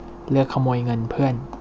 เลือกขโมยเงินเพื่อน